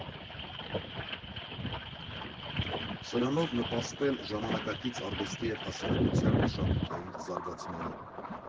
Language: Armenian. Սրանով նպաստել ժամանակակից արվեստի և հասարակության մշակութային զարգացմանը։